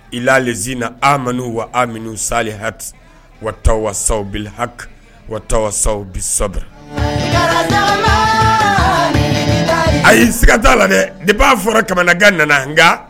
Ialeiina aw amadu wa aw minnu sa ha wa sa ha sa ayi sigiiga t' la dɛ ne b'a fɔra kamanaga nana n nka